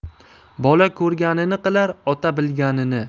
bola ko'rganini qilar ota bilganini